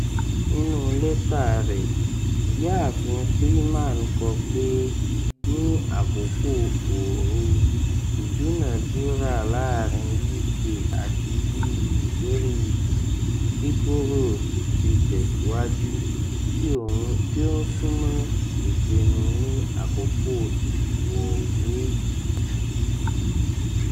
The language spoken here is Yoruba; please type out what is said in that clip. Nínú lẹ́tà rẹ̀, ìyáàfin Freeman kọ pé: "Ní àkókò ooru, ìdúnàdúrà láàrin UK àti EU lórí i kíkúrò ti tẹ̀síwájú, tí ó ń súnmọ̀ ìpinnu ní àkókò ìwọ́wé yìí.